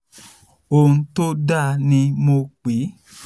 Ohun tó dáa ni mò pé.”